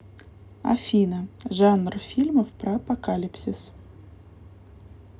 афина жанр фильмов про апокалипсис